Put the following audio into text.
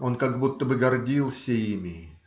Он как будто бы гордился ими.